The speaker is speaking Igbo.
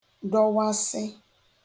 dọwasị